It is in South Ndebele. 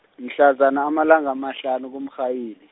mhlazana amalanga amahlanu kuMrhayili.